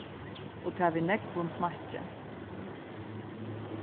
og tað við nógvum smakki